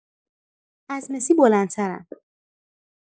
از مسی بلندترم